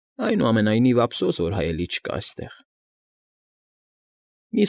Այնուամենայնիվ, ափսոս, որ հայելի չկա այստեղ…»։